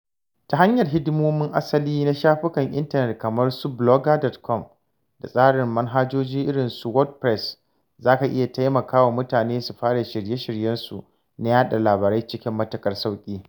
Ta hanyar hidimomin asali na shafukan intanet kamar su Blogger.com da tsarin manhajoji irin su 'WordPress', za ka iya taimaka wa mutane su fara shirye-shiryensu na yaɗa labarai cikin matuƙar sauƙi.